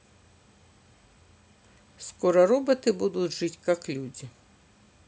скоро роботы будут жить как люди